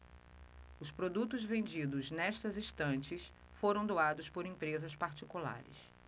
os produtos vendidos nestas estantes foram doados por empresas particulares